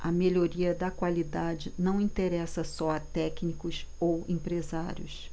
a melhoria da qualidade não interessa só a técnicos ou empresários